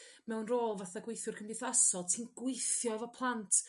mewn rôl fatha gweithiwyr cymdeithasol ti'n gwithio efo plant